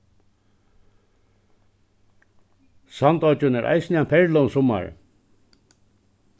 sandoyggin er eisini ein perla um summarið